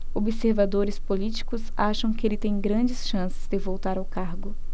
observadores políticos acham que ele tem grandes chances de voltar ao cargo